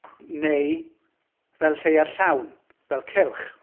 Neu fel Lleuad llawn, fel cylch.